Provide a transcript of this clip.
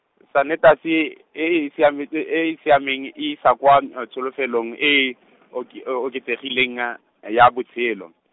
sanetasi, e e siametseng, e e siameng e isa kwa tsholofelong e e, oke-, oketsegileng ya, ya botshelo.